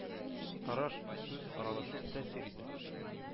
Караш, сүз, аралашу тәэсир итә.